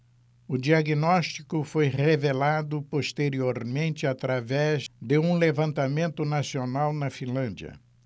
o diagnóstico foi revelado posteriormente através de um levantamento nacional na finlândia